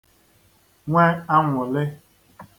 nwe anwụ̀lị